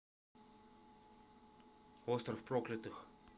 остров проклятых